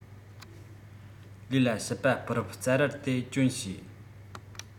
ལུས ལ ཕྱུ པ སྤུ རུབ རྩབ རལ དེ གྱོན བྱས